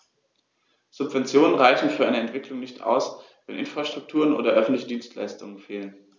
Subventionen reichen für eine Entwicklung nicht aus, wenn Infrastrukturen oder öffentliche Dienstleistungen fehlen.